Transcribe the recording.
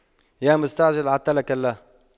يا مستعجل عطلك الله